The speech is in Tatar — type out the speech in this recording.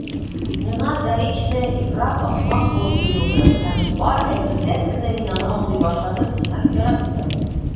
Миңа Заречная ифрат ахмак булып тоелды һәм бары әкренләп кенә мин аны аңлый башладым һәм яраттым.